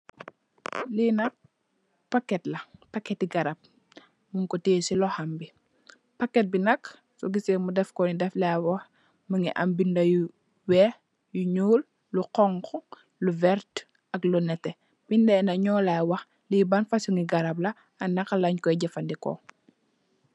Li nak packet la, packet ti garap mung ku teyeh ci loxhom bi. Packet bi nak so guise mu defko dafly wakh, mu ngi am bindah yu weex, yu ñuul, lu xonxo, lu verta ak lu neteh. Bindah yi nak nyu lai wãnn bi ban fusimi garap la ak lùñ ko jefa ndikoo.